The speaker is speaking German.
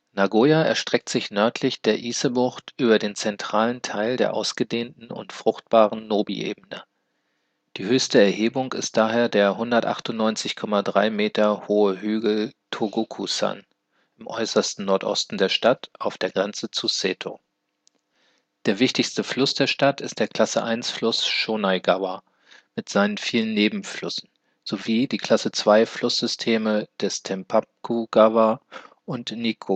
Nagoya erstreckt sich nördlich der Ise-Bucht über den zentralen Teil der ausgedehnten und fruchtbaren Nōbi-Ebene. Die höchste Erhebung ist daher der 198,3 hohe Hügel Tōgoku-san (東谷山) im äußersten Nordosten der Stadt auf der Grenze zu Seto. Der wichtigste Fluss der Stadt ist der Klasse-1-Fluss Shōnai-gawa (庄内川) mit seinen vielen Nebenflüssen, sowie die Klasse-2-Flusssysteme des Tempaku-gawa (天白川) und Nikkō-gawa